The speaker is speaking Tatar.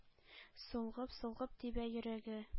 Сулгып-сулгып тибә йөрәге.